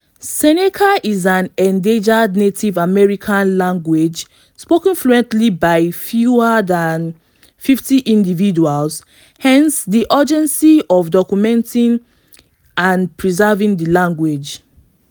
Seneca is an endangered Native American language spoken fluently by fewer than 50 individuals, hence the urgency of documenting and preserving the language.